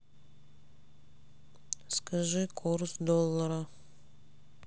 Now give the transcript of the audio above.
скажи курс доллара